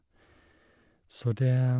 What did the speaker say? Så det...